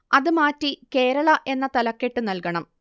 അത് മാറ്റി കേരള എന്ന തലക്കെട്ട് നൽകണം